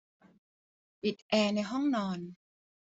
ปิดแอร์ในห้องนอน